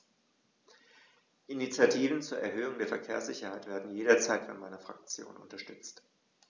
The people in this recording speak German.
Initiativen zur Erhöhung der Verkehrssicherheit werden jederzeit von meiner Fraktion unterstützt.